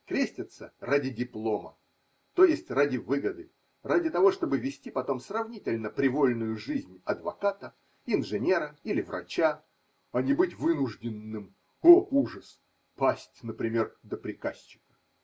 Крестятся ради диплома, т.е. ради выгоды, ради того, чтобы вести потом сравнительно привольную жизнь адвоката, инженера или врача, а не быть вынужденным (о, ужас!) пасть, например, до приказчика.